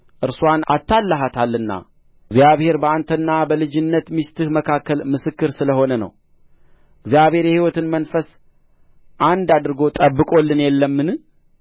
እርስዋን አታልለሃታልና እግዚአብሔር በአንተና በልጅነት ሚስትህ መካከል ምስክር ስለ ሆነ ነው እግዚአብሔር የሕይወትን መንፈስ አንድ አድርጎ ጠብቆልን የለምን